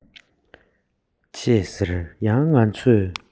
ཅེས ཟེར ཡང ང ཚོས